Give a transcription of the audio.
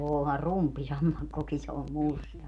onhan rupisammakkokin se on musta